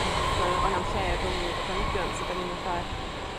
Ie. o' 'na'm lle rhwng y planhigion so 'dan ni'n fatha